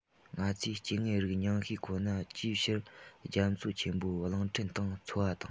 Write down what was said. ང ཚོས སྐྱེ དངོས རིགས ཉུང ཤས ཁོ ན ཅིའི ཕྱིར རྒྱ མཚོ ཆེན མོའི གླིང ཕྲན སྟེང འཚོ བ དང